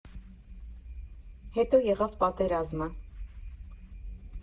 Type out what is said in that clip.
Հետո եղավ պատերազմը։